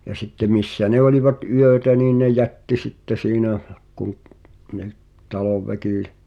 ja sitten missä ne olivat yötä niin ne jätti sitten siinä kun niin talonväki